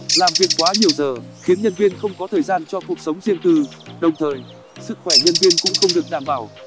làm việc quá nhiều giờ khiến nhân viên không có thời gian cho cuộc sống riêng tư đồng thời sức khỏe nhân viên cũng không được đảm bảo